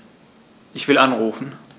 Ich will anrufen.